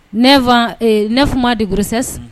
Ne fa ne tun deurse